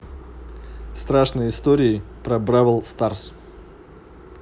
страшные истории про бравел старс